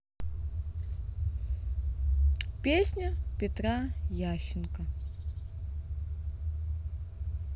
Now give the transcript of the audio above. песня петра ященко